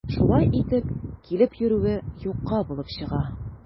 Шулай итеп, килеп йөрүе юкка булып чыга.